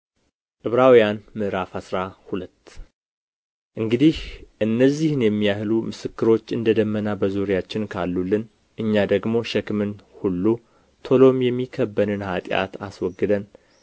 ዕብራውያን ምዕራፍ አስራ ሁለት እንግዲህ እነዚህን የሚያህሉ ምስክሮች እንደ ደመና በዙሪያችን ካሉልን እኛ ደግሞ ሸክምን ሁሉ ቶሎም የሚከበንን ኃጢአት አስወግደን